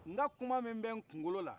n ka kuma min bɛ n kunkolo la